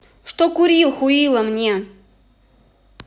что курил хуило мне